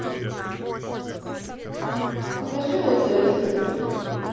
покажи озеро иссык куль